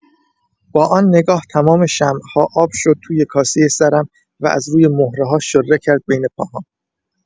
با آن نگاه تمام شمع‌ها آب شد توی کاسۀ سرم و از روی مهره‌ها شره کرد بین پاهام.